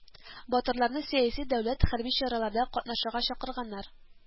Батырларны сәяси, дәүләт, хәрби чараларда катнашырга чакырганнар